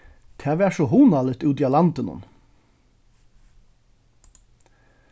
tað var so hugnaligt úti á landinum